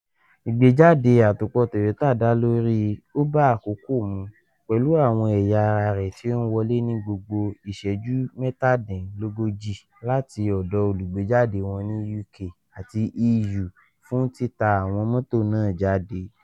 Ìgbéjáde àtòpọ̀ Toyota dá lórí i “ó bá àkókò mu”, pẹ̀lú àwọn ẹ̀yà ara rẹ̀ tí ó ń wọlé ní gbogbo ìṣẹ́jú 37 láti ọ̀dọ̀ olùgbéjáde wọn ní UK àti EU fún títa àwọn mọ́tò náà jáde.